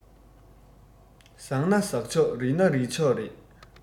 ཟག ན ཟག ཆོག རིལ ན རིལ ཆོག རེད